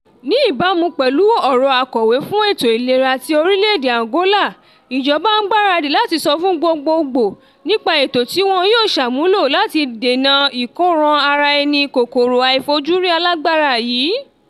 Ní ìbámu pẹ̀lú ọ̀rọ̀ Akọ̀wé fún Ètò Ìlera ti orílẹ̀ èdè Angola, ìjọba ń gbáradì láti sọ fún gbogbogbò nípa ètò tí wọn yóò sàmúlò láti dènà ìkóranraẹni kòkòrò àìfojúrí alágbára yìí.